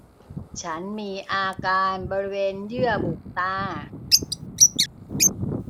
ฉันมีอาการบริเวณเยื่อบุตา